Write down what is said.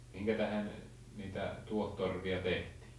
minkä tähden niitä tuohitorvia tehtiin